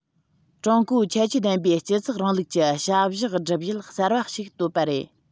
ཀྲུང གོའི ཁྱད ཆོས ལྡན པའི སྤྱི ཚོགས རིང ལུགས ཀྱི བྱ གཞག སྒྲུབ ཡུལ གསར པ ཞིག བཏོད པ རེད